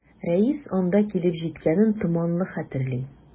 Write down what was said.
Рәис анда килеп җиткәнен томанлы хәтерли.